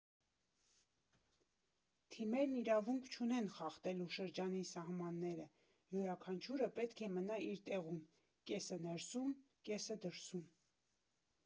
Թիմերն իրավունք չունեն խախտելու շրջանի սահմանները, յուրաքանչյուրը պետք է մնա իր տեղում՝ կեսը՝ ներսում, կեսը՝ դրսում։